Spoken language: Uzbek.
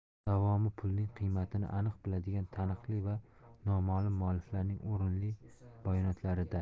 davomi pulning qiymatini aniq biladigan taniqli va noma'lum mualliflarning o'rinli bayonotlarida